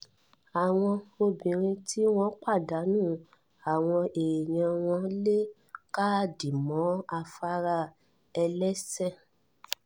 Àwọn obìnrin tí wọn pàdánù àwọn èèyàn wọn le káàdì mọ́ afárá-ẹlẹ́sẹ̀.